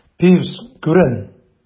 Пивз, күрен!